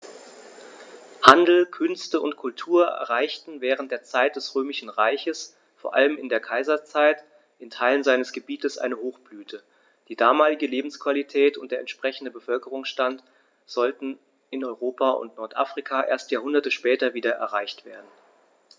Handel, Künste und Kultur erreichten während der Zeit des Römischen Reiches, vor allem in der Kaiserzeit, in Teilen seines Gebietes eine Hochblüte, die damalige Lebensqualität und der entsprechende Bevölkerungsstand sollten in Europa und Nordafrika erst Jahrhunderte später wieder erreicht werden.